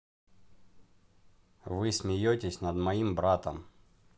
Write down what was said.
вы смеетесь над моим братом